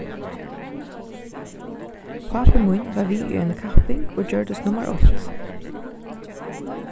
pápi mín var við í eini kapping og gjørdist nummar eitt